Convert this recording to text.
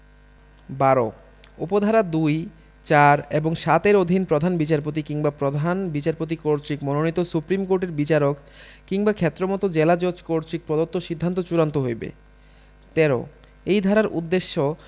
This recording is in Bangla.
১২ উপ ধারা ২ ৪ এবং ৭ এর অধীন প্রধান বিচারপতি কিংবা প্রধান বিচারপতি কর্তৃক মনোনীত সুপ্রীম কোর্টের বিচারক কিংবা ক্ষেত্রমত জেলাজজ কর্তৃক প্রদত্ত সিদ্ধান্ত চূড়ান্ত হইবে ১৩ এই ধারার উদ্দেশ্য